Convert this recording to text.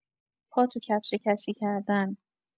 پا تو کفش کسی کردن